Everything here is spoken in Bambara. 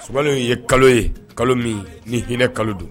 Sunkalo ye kalo ye, kalo min ni hinɛ kalo don